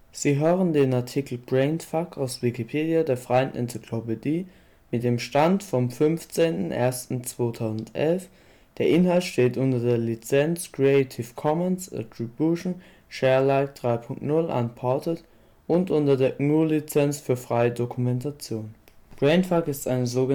Sie hören den Artikel Brainfuck, aus Wikipedia, der freien Enzyklopädie. Mit dem Stand vom Der Inhalt steht unter der Lizenz Creative Commons Attribution Share Alike 3 Punkt 0 Unported und unter der GNU Lizenz für freie Dokumentation. Brainfuck ist eine so